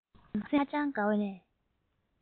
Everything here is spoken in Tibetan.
ང རང སེམས ཧ ཅང དགའ ནས